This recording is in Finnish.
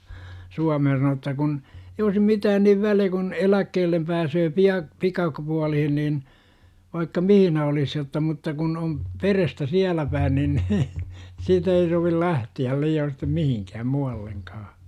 Suomeen sanoi että kun ei olisi mitään niin väliä kun eläkkeelle pääsee -- pikapuoliin niin vaikka missä olisi jotta mutta kun on perhettä siellä päin niin siitä ei sovi lähteä liioin sitten - mihinkään muuallekaan